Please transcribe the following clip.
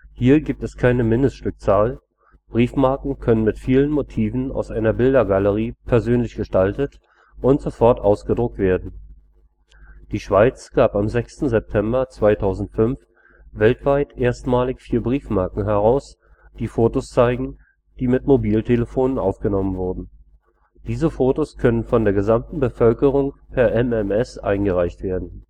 Hier gibt es keine Mindeststückzahl, Briefmarken können mit vielen Motiven aus einer Bildergalerie persönlich gestaltet und sofort ausgedruckt werden. Die Schweiz gab am 6. September 2005 weltweit erstmalig vier Briefmarken heraus, die Fotos zeigen, die mit Mobiltelefonen aufgenommen wurden. Diese Fotos konnten von der gesamten Bevölkerung per MMS eingereicht werden